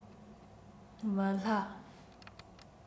མི སླ